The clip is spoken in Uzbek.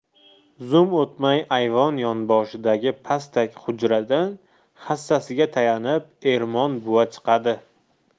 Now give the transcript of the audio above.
zum o'tmay ayvon yonboshidagi pastak hujradan hassasiga tayanib ermon buva chiqadi